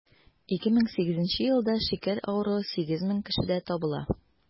2008 елда шикәр авыруы 8 мең кешедә табыла.